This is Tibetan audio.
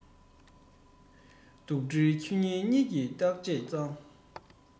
རི མོ ཐུར ལ ཡོད པའི མི ངན ལ